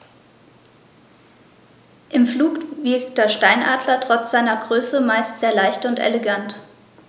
Im Flug wirkt der Steinadler trotz seiner Größe meist sehr leicht und elegant.